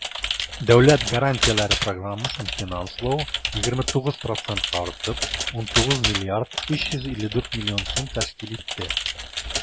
Дәүләт гарантияләре программасын финанслау 29 процентка артып, 19 млрд 354 млн сум тәшкил итте.